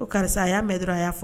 Ko karisa, a y'a mɛn dɔrɔn, a y'a fɔ.